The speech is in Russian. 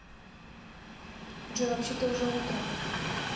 джой вообще то уже утро